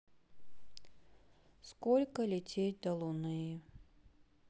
сколько лететь до луны